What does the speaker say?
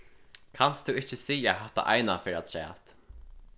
kanst tú ikki siga hatta eina ferð afturat